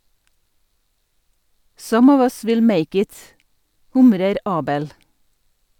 - «Some of us will make it», humrer Abel.